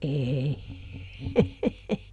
ei